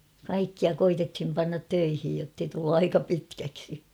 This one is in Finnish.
kaikkia koetettiin panna töihin jotta ei tullut aika pitkäksi